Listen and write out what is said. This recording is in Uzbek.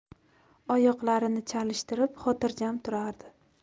oyoqlarini chalishtirib xotirjam turardi